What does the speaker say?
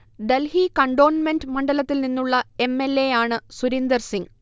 Delhi cantonment മണ്ഡലത്തിൽ നിന്നുള്ള M. L. A യാണ് സുരിന്ദർ സിങ്